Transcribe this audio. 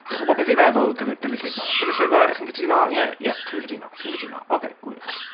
Chi'n gwbod b' fi'n meddwl gynu- gynulleidfa? Gynulleidfa! Chi'n cytuno? Ie, ie, chi'n cytuno, chi'n cytuno. Ocei, gwych.